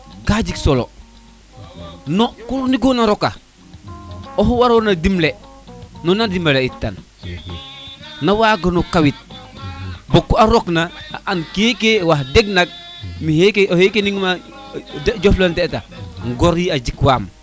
ka jeg solo no ku na roka oxu waro na dimle namao dimale it kan na waga no kawit no ku ta reok na an keke wax deg nak mixe ke oxe ke nima o jëflente ta ŋor yi a jik waam